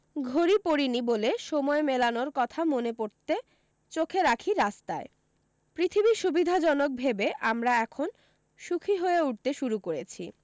ঘড়ি পরিনি বলে সময় মেলানোর কথা মনে পড়তে চোখে রাখি রাস্তায় পৃথিবী সুবিধাজনক ভেবে আমরা এখন সুখী হয়ে উঠতে শুরু করেছি